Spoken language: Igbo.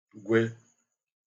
-gwe